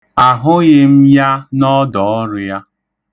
Ahụghị m ya n'ọdọọrụ ya.